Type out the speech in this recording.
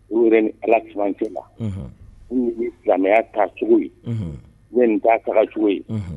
Olu yɛrɛ ni ala camancɛ la u silamɛya' cogo ye u ye nin ta tacogo ye